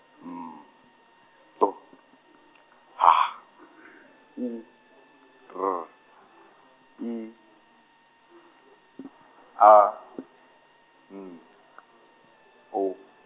M B H U R I A N O.